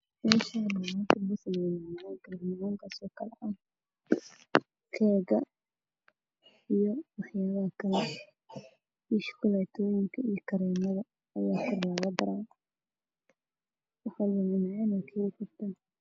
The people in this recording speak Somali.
Meshan waa mesha macmacanka laku sameeyo oo kala ah keega io waxayabah kala ah shuglatoyinka io karemad aya kor logadara